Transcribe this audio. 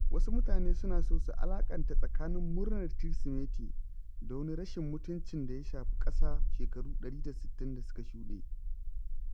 Wasu mutane suna so su alaƙanta tsakanin murnar Kirsimeti da wani rashin mutuncin da ya shafi ƙasa shekaru 160 da suka shuɗe.